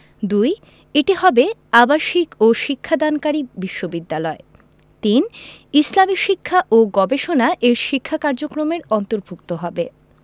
২. এটি হবে আবাসিক ও শিক্ষাদানকারী বিশ্ববিদ্যালয় ৩. ইসলামী শিক্ষা ও গবেষণা এর শিক্ষা কার্যক্রমের অন্তর্ভুক্ত হবে